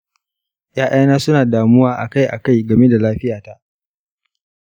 ƴaƴana su na damuwa akai-akai game da lafiyata.